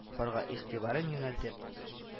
Парга игътибарын юнәлтеп